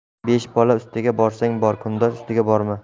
besh bola ustiga borsang bor kundosh ustiga borma